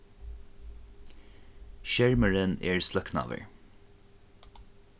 skermurin er sløknaður